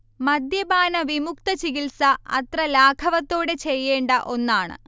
മദ്യപാന വിമുക്തചികിത്സ അത്ര ലാഘവത്തോടെ ചെയ്യേണ്ട ഒന്നാണ്